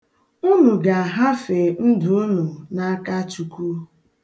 Unu ga-ahafe ndụ unu n'aka Chukwu.